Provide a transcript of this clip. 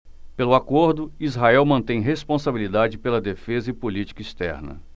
pelo acordo israel mantém responsabilidade pela defesa e política externa